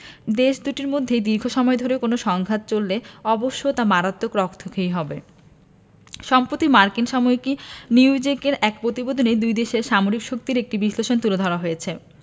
দেশ দুটির মধ্যে দীর্ঘ সময় ধরে কোনো সংঘাত চললে অবশ্যই তা মারাত্মক রক্তক্ষয়ী হবে সম্প্রতি মার্কিন সাময়িকী নিউইজেকের এক প্রতিবেদনে দুই দেশের সামরিক শক্তির একটি বিশ্লেষণ তুলে ধরা হয়েছে